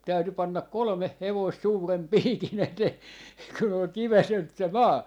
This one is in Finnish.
täytyy panna kolme hevosta suuren piikin eteen kun oli - se maa